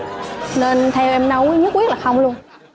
nên theo em đâu nhất quyết không luôn